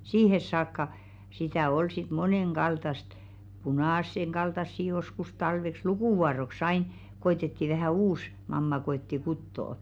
siihen saakka sitä oli sitten monenkaltaista punaisenkaltaista joskus talveksi lukuvuoroksi aina koetettiin vähän uusi mamma koetti kutoa